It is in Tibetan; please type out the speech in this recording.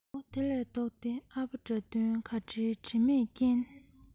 བུ ལས ལྡོག སྟེ ཨ ཕ དགྲ འདུལ ག བྲེལ འདྲིས མེད རྐྱེན